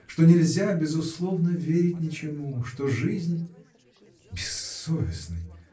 что нельзя безусловно верить ничему что жизнь. бессовестный!